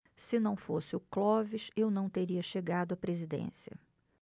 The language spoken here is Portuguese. se não fosse o clóvis eu não teria chegado à presidência